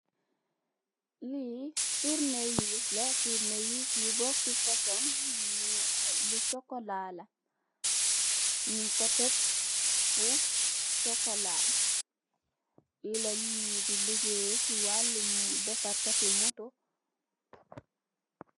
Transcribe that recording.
Li turner wiss la turne wiss yu bokut fosong mongi lu cxocola la nyun ko tek fu cxocola li la nitt yi di legaaye si walum defar kati moto.